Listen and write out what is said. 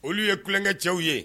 Olu ye kukɛ cɛw ye